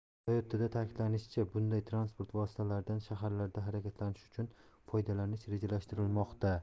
toyota'da ta'kidlanishicha bunday transport vositalaridan shaharlarda harakatlanish uchun foydalanish rejalashtirilmoqda